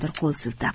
qo'l siltab